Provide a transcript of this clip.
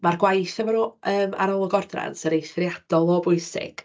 Ma'r gwaith ar arolwg ordrans yn eithriadol o bwysig.